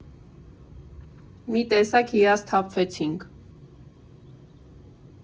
Մի տեսակ հիասթափվեցինք։